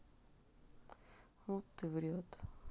вот ты вряд